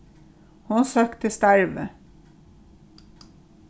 hon søkti starvið